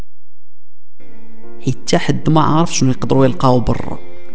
اتحد معرفش من قبضه القبر